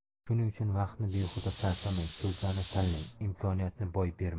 shuning uchun vaqtni behuda sarflamang so'zlarni tanlang imkoniyatni boy bermang